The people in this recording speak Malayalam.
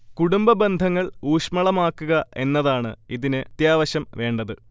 കുടുംബബന്ധങ്ങൾ ഊഷ്മളമാക്കുക എന്നതാണ് ഇതിന് അത്യാവശ്യം വേണ്ടത്